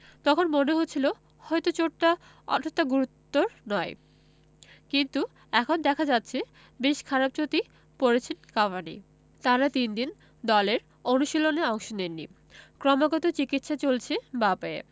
তখন মনে হচ্ছিল হয়তো চোটটা অতটা গুরুতর নয় কিন্তু এখন দেখা যাচ্ছে বেশ খারাপ চোটেই পড়েছেন কাভানি টানা তিন দিন দলের অনুশীলনে অংশ নেননি ক্রমাগত চিকিৎসা চলছে বাঁ পায়ে